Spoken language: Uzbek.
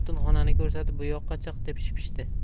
o'tinxonani ko'rsatib bu yoqqa chiq deb shipshidi